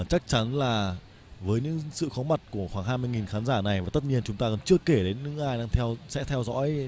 và chắc chắn là với những sự có mặt của khoảng hai mươi nghìn khán giả này và tất nhiên chúng ta còn chưa kể đến những ai đang theo sẽ theo dõi